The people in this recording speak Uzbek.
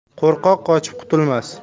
qo'rqoq qochib qutilmas